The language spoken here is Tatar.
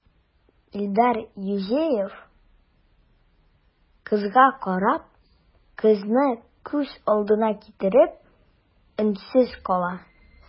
Илдар Юзеев, кызга карап, казны күз алдына китереп, өнсез кала.